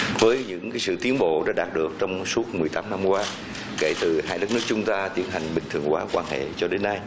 với những sự tiến bộ đã đạt được trong suốt mười tám năm qua kể từ hai đất nước chúng ta tiến hành bình thường hóa quan hệ cho đến nay